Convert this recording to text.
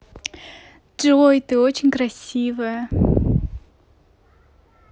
джой ты очень красивая